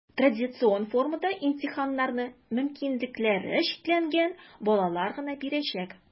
Традицион формада имтиханнарны мөмкинлекләре чикләнгән балалар гына бирәчәк.